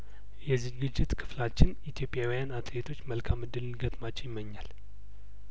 የዝግጅት ክፍላችን ኢትዮጵያውያን አትሌቶች መልካም እድል እንዲገጥማቸው ይመኛል